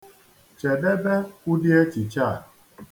Chedebe ụdị echiche a.